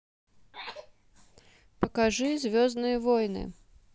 покажи звездные войны